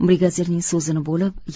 brigadirning so'zini bo'lib